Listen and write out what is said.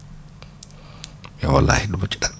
mais wallaahi du ma ci dara